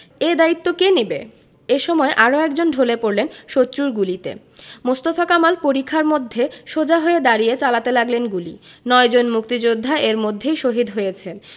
এ দায়িত্ব কে নেবে এ সময় আরও একজন ঢলে পড়লেন শত্রুর গুলিতে মোস্তফা কামাল পরিখার মধ্যে সোজা হয়ে দাঁড়িয়ে চালাতে লাগলেন গুলি নয়জন মুক্তিযোদ্ধা এর মধ্যেই শহিদ হয়েছেন